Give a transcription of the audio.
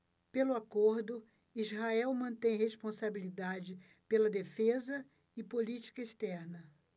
pelo acordo israel mantém responsabilidade pela defesa e política externa